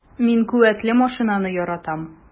Мин куәтле машинаны яратам.